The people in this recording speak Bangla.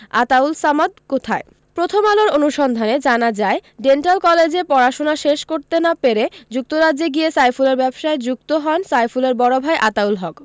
আতাউল সামাদ কোথায় প্রথম আলোর অনুসন্ধানে জানা যায় ডেন্টাল কলেজে পড়াশোনা শেষ করতে না পেরে যুক্তরাজ্যে গিয়ে সাইফুলের ব্যবসায় যুক্ত হন সাইফুলের বড় ভাই আতাউল হক